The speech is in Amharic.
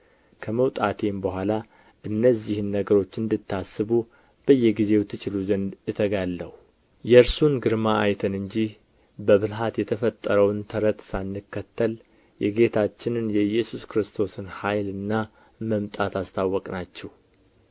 ከመውጣቴም በኋላ እነዚህን ነገሮች እንድታስቡ በየጊዜው ትችሉ ዘንድ እተጋለሁ የእርሱን ግርማ አይተን እንጂ በብልሃት የተፈጠረውን ተረት ሳንከተል የጌታችንን የኢየሱስ ክርስቶስን ኃይልና መምጣት አስታወቅናችሁ